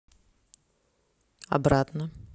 обратно